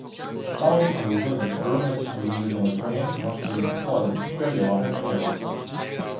사우디 당국은 언론매체 전단지 등을 통해 경각심을 촉구하는 특별 예방 활동에 나섰다